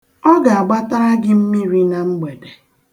Ọ ga-agbatara gị mmiri na mgbede.